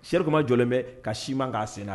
Seerekumajɔlen bɛ ka si man k'a senna